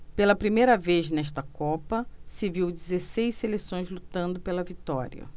pela primeira vez nesta copa se viu dezesseis seleções lutando pela vitória